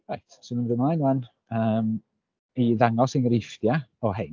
Reit 'swn i'n mynd ymlaen rŵan i ddangos enghreifftiau o hein.